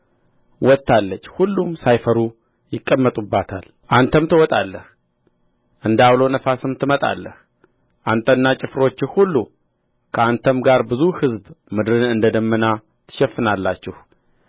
ወጥታለች ሁሉም ሳይፈሩ ይቀመጡባታል አንተም ትወጣለህ እንደ ዐወሎ ነፋስም ትመጣለህ አንተና ጭፍሮችህ ሁሉ ከአንተም ጋር ብዙ ሕዝብ ምድርን እንደ ደመና ትሸፍናላችሁ